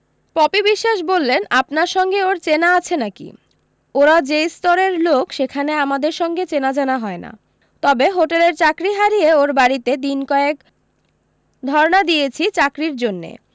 poppy Biswas বললেন আপনার সঙ্গে ওর চেনা আছে নাকি ওরা যে স্তরের লোক সেখানে আমাদের সঙ্গে চেনাজানা হয় না তবে হোটেলের চাকরী হারিয়ে ওর বাড়ীতে দিনকয়েক ধরণা দিয়েছি চাকরীর জন্যে